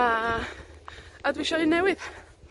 A, a, dwi isio un newydd.